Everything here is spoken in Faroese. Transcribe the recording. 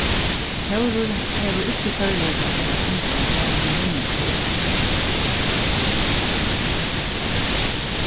tórður hevur ikki førleikar til at undirvísa í miðnámsskúla